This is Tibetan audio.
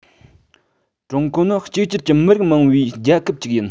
ཀྲུང གོ ནི གཅིག གྱུར གྱི མི རིགས མང བའི རྒྱལ ཁབ ཅིག ཡིན